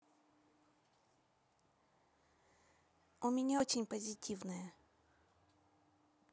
у меня очень позитивное